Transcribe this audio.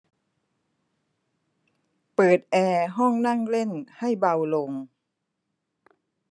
เปิดแอร์ห้องนั่งเล่นให้เบาลง